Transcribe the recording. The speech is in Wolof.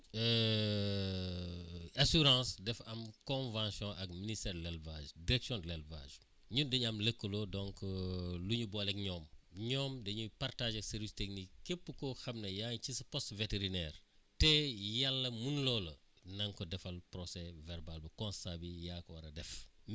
assurance dafa am convention ak ministère de l' élevage direction de l' élevage ñun dañu am lëkkaloo donc lu ñu booleeg ñoom ñoom dañuy partager services techniques képp koo xam ne yaa ngi ci sa poste vétérinaire te yàlla mun loo la na nga ko defal procès verbal bi constat bi yaa ko war a def